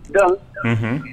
Don h